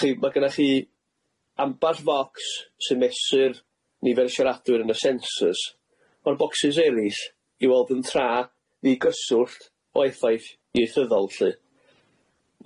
Felly ma' gynna chi ambas focs sy'n mesur nifer y siaradwyr yn y sensors ma'r bocsys erys i weld yn tra ddi gyswllt o effaith ieithyddol lly.